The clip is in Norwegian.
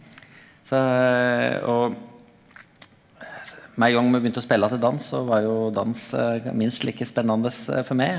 så og med ein gong me begynte å spela til dans så var jo dans minst like spennande for meg.